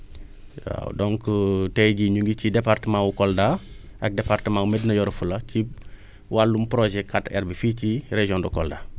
waaw donc tey jii ñu ngi ci département Kolda ak département Medina Yoro Fula ci wàllum projet 4R bi fii ci région de Kola